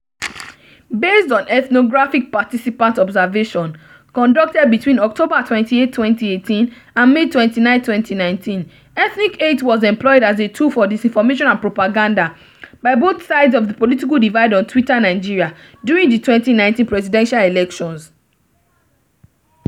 Based on ethnographic participant observation conducted between October 28, 2018, and May 29, 2019, ethnic hate was employed as a tool for disinformation and propaganda by both sides of the political divide on Twitter Nigeria during the 2019 presidential elections.